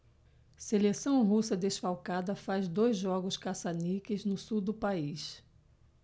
seleção russa desfalcada faz dois jogos caça-níqueis no sul do país